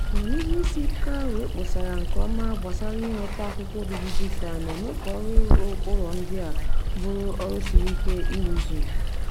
Mana ihe isi ike ahụ ekposara nkeọma gbasara ịnweta akwụkwọ obibi visa na-eme ka ọrụ ịrụ ụlọ ndị a bụrụ ọrụ siri ike ịrụzu.